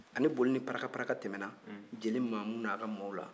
a ni bolo ni paraka tɛmɛna jeli mamu n'a ka maaw la